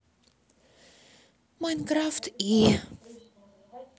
майнкрафт и